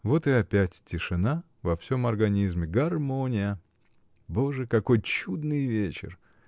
Вот и опять тишина во всем организме, гармония! Боже, какой чудный вечер!